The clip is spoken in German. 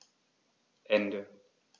Ende.